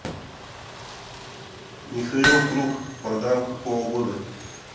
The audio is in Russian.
михаил круг мадам какого года